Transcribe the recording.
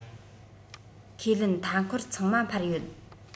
ཁས ལེན མཐའ འཁོར ཚང མ འཕར ཡོད